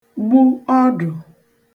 gbu ọdụ̀